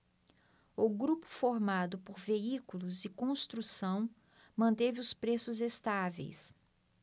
o grupo formado por veículos e construção manteve os preços estáveis